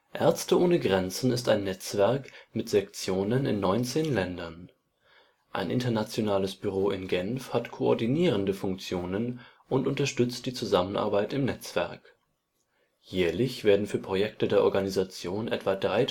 Ärzte ohne Grenzen ist ein Netzwerk mit Sektionen in 19 Ländern. Ein internationales Büro in Genf hat koordinierende Funktionen und unterstützt die Zusammenarbeit im Netzwerk. Jährlich werden für Projekte der Organisation etwa 3.000